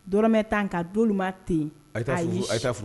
Dɔrɔmɛ taa ka donma ten yen a